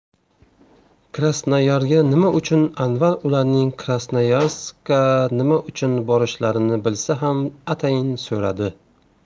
krasnoyarga nima uchun anvar ularning krasnoyarskka nima uchun borishlarini bilsa ham atayin so'radi